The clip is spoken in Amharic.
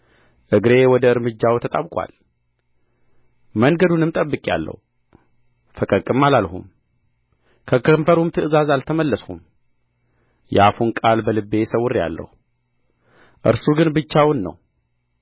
እግሬ ወደ እርምጃው ተጣብቆአል መንገዱንም ጠብቄአለሁ ፈቀቅም አላልሁም ከከንፈሩ ትእዛዝ አልተመለስሁም የአፉን ቃል በልቤ ሰውሬአለሁ እርሱ ግን ብቻውን ነው